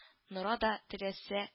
Нора да теләсә